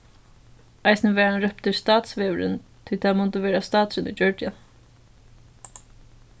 eisini varð hann róptur statsvegurin tí tað mundi vera staturin ið gjørdi hann